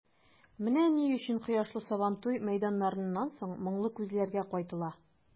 Менә ни өчен кояшлы Сабантуй мәйданнарыннан соң моңлы күзләргә кайтыла.